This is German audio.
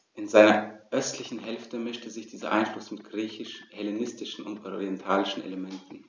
In seiner östlichen Hälfte mischte sich dieser Einfluss mit griechisch-hellenistischen und orientalischen Elementen.